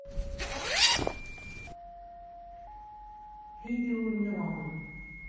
видео милана